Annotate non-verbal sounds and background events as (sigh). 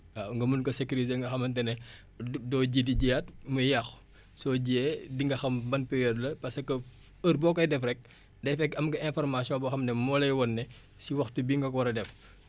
waaw nga mun ko sécuriser nga xamante ne (breath) du doo ji di jiyaat muy yàqu soo jiyee di nga xam ban période la parce que heure boo koy def rek day fekk am nga information boo xam ne moo lay wan ne si waxtu bii nga ko war a def